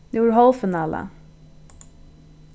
nú er hálvfinala